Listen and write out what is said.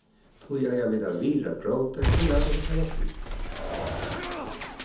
tí eiga vit at virða grótið og lata tað hava frið